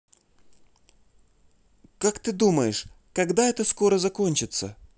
как ты думаешь когда это скоро закончится